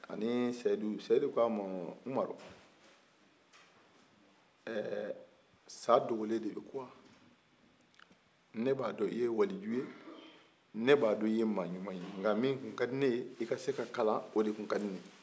seyidu k'a ma umaru ɛɛɛ sa dogolen de bɛ kuwa ne b'a dɔn i ye waliju ye ne ba dɔn i ye maa ɲuman ye nka min tun ka di ye i ka se ka kalan o de tun ka di ne ye